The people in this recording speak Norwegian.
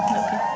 ok.